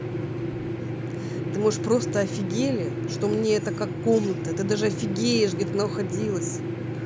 ты можешь просто офигели что мне это как комната ты даже офигеешь где ты находилась